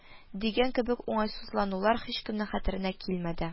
" дигән кебек уңайсызланулар һичкемнең хәтеренә килмәде